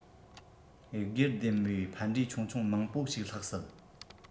སྒེར སྡེམ བའི ཕན འབྲས ཆུང ཆུང མང པོ ཞིག ལྷག སྲིད